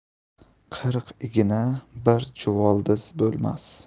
qirq igna bir juvoldiz bo'lmas